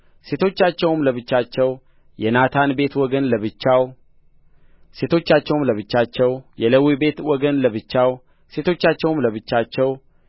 ሴቶቻቸውም ለብቻቸው የናታን ቤት ወገን ለብቻው ሴቶቻቸውም ለብቻቸው የሌዊ ቤት ወገን ለብቻው ሴቶቻቸውም ለብቻቸው